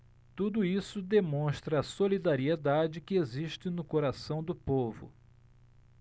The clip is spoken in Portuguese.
tudo isso demonstra a solidariedade que existe no coração do povo